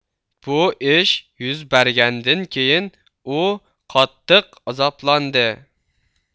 بۇ ئىش يۈز بەرگەندىن كېيىن ئۇ قاتتىق ئازابلاندى